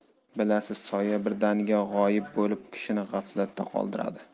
bilasiz soya birdaniga g'oyib bo'lib kishini g'aflatda qoldiradi